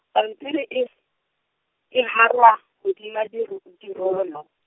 pampiri e, e hara, hodima diro- dirolo.